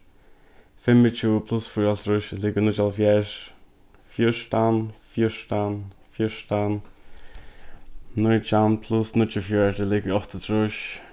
fimmogtjúgu pluss fýraoghálvtrýss er ligvið níggjuoghálvfjerðs fjúrtan fjúrtan fjúrtan nítjan pluss níggjuogfjøruti er ligvið áttaogtrýss